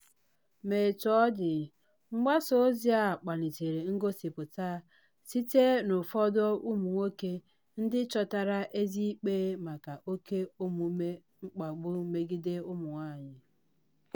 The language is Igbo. Ma etu ọ dị, mgbasa ozi a kpalitere ngosipụta site n'ụfọdụ ụmụ nwoke ndị chọtara ezi ikpe maka oke omume mkpagbu megide ụmụ nwaanyị.